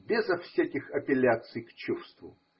без всяких апелляций к чувству.